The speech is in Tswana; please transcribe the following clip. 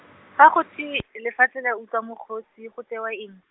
fa go e lefatshe la utlwa mokgosi go tewa eng?